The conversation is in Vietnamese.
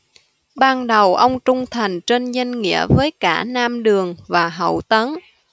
ban đầu ông trung thành trên danh nghĩa với cả nam đường và hậu tấn